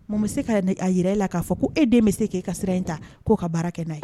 Bon bɛ se ka a jira e la k'a fɔ ko e den bɛ se k' e ka sira in ta k'o ka baara kɛ n'a ye